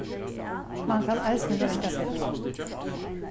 mann kann eisini royna seg